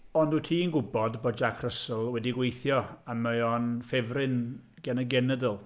Ond wyt ti'n gwybod bod Jack Russell wedi gweithio a mae o'n ffefryn gan y genedl?